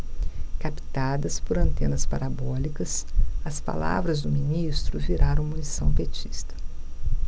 captadas por antenas parabólicas as palavras do ministro viraram munição petista